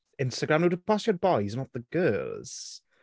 Instagram nhw. Ma' nhw 'di postio'r bois not the girls.